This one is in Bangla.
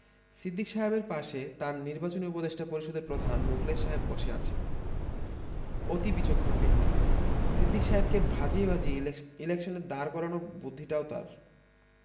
সিদ্দিক সাহেবের পাশে তাঁর নিবাচনী উপদেষ্টা পরিষদের প্রধান মুখলেস সাহেব বসে আছেন অতি বিচক্ষণ ব্যক্তি সিদ্দিক সাহেবকে ভাজিয়ে ভাজিয়ে ইলেকশনে দাঁড় করানোর বুদ্ধিটাও তাঁর